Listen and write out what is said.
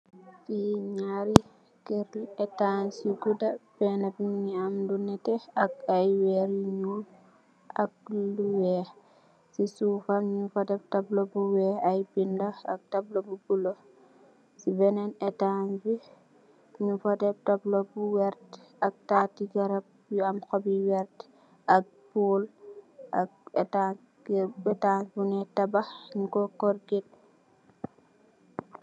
Fi nyaari kër etans yu gudda. Benna bi mungi am lu nètè ak ay werr yu ñuul ak lu weeh. Ci suufam nung fa def taabla, ay binda ak taabla bu bulo. Ci benen etans bi, nung fa def taabla bu vert ak taati garab yu am hoop yu vert ak pool ak etans kër etans bu ni tabah nung ko corket.